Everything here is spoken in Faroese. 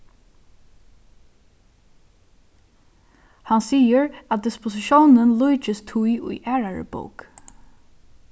hann sigur at dispositiónin líkist tí í aðrari bók